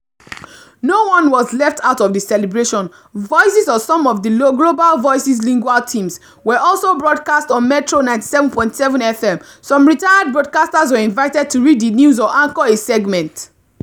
No one was left out of the celebration. Voices of some of the Global Voices Lingua teams were also broadcast on Metro 97.7FM. Some retired broadcasters were invited to read the news or anchor a segment.